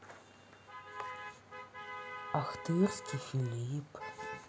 ахтырский филипп